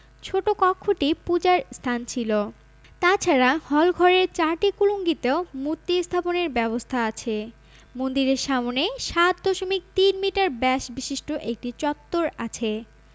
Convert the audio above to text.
ছোট কক্ষটি পূজার স্থান ছিল তাছাড়া হলঘরের চারটি কুলুঙ্গিতেও মূর্তি স্থাপনের ব্যবস্থা আছে মন্দিরের সামনে ৭ দশমিক ৩ মিটার ব্যাস বিশিষ্ট একটি চত্বর আছে